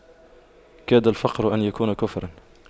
كاد الفقر أن يكون كفراً